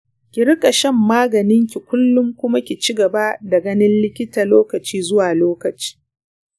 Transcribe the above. ki riƙa shan maganinki kullum kuma ki ci gaba da ganin likita lokaci zuwa lokaci.